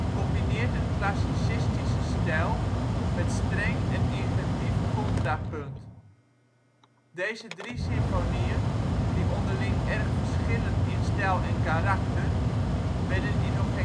combineert een classicistische stijl met streng en inventief contrapunt. Deze drie symfonieën, die onderling erg verschillen in stijl en karakter, werden in nog